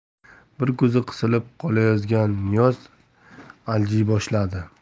bir ko'zi qisilib qolayozgan niyoz aljiy boshladi